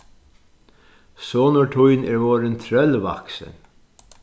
sonur tín er vorðin trøllvaksin